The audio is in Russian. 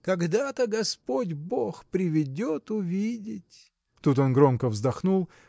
Когда-то господь бог приведет увидеть. Тут он громко вздохнул